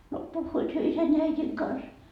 no puhuivat he isän ja äidin kanssa